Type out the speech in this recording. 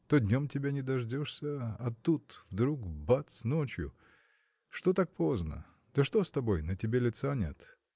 То днем тебя не дождешься, а тут вдруг – бац ночью! Что так поздно? Да что с тобой? на тебе лица нет.